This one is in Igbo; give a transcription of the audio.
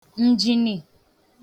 ǹjini